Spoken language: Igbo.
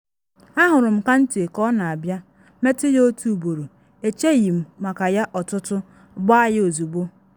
“Ahụrụ m Kante ka ọ na abịa, metụ ya otu ugboro, echeghị m maka ya ọtụtụ, gbaa ya ozugbo.”